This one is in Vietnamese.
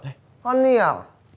hon ni à